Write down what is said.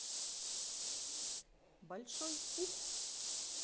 большой ух